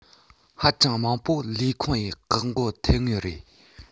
ཧ ཅང མང པོ ལས ཁུང ཡི བཀག འགོག ཐེབས ངེས རེད